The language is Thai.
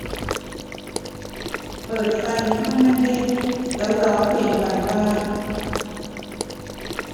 เปิดไฟในห้องนั่งเล่นแล้วร้องเพลงวันว่าง